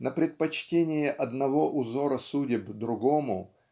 на предпочтение одного узора судеб другому